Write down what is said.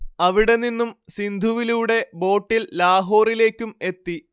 അവിടെനിന്നും സിന്ധുവിലൂടെ ബോട്ടിൽ ലാഹോറിലേക്കും എത്തി